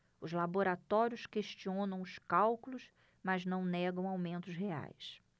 os laboratórios questionam os cálculos mas não negam aumentos reais